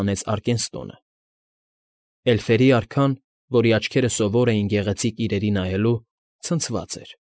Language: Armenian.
Հանեց Արկենստոնը։ Էլֆերի արքան, որի աչքերը սովոր էին գեղեցիկ իրերի նայելու, ցնցված էր։